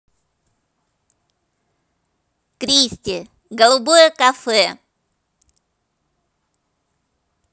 кристе голубое кафе